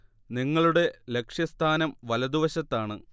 നിങ്ങളുടെ ലക്ഷ്യസ്ഥാനം വലതുവശത്താണ്